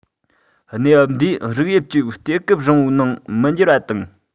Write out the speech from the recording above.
གནས བབ འདིས རིགས དབྱིབས གཅིག དུས སྐབས རིང པོའི ནང མི འགྱུར བ དང